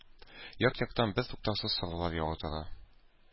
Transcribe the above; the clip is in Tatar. Як-яктан бертуктаусыз сораулар ява тора.